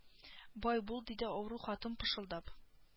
Бай бул диде авыру хатын пышылдап